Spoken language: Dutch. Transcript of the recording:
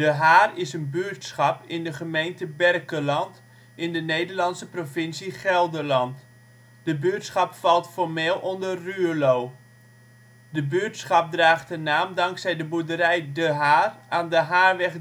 Haar is een buurtschap in de gemeente Berkelland, in de Nederlandse provincie Gelderland. De buurtschap valt formeel onder Ruurlo. De buurtschap draagt de naam dankzij de boerderij " De Haar " aan de Haarweg